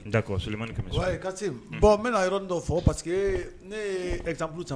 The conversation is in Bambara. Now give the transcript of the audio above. Ka bɔn n bɛna yɔrɔ dɔ fɔ parce ne ye etalu saba